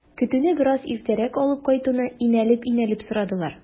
Көтүне бераз иртәрәк алып кайтуны инәлеп-инәлеп сорадылар.